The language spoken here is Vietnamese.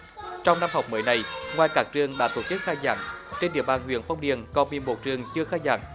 trong năm học mới này ngoài các trường đã tổ chức khai giảng trên địa bàn huyện phong điền có mười một trường chưa khai giảng